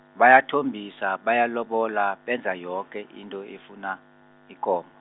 bayathombisa, bayalobola, benza yoke into efuna, ikomo.